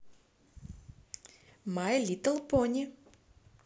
my little pony